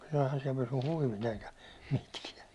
eihän siellä pysyi huivit eikä mitkään